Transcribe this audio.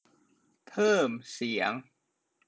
เพิ่มเสียง